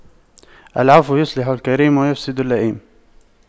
العفو يصلح الكريم ويفسد اللئيم